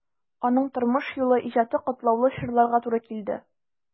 Аның тормыш юлы, иҗаты катлаулы чорларга туры килде.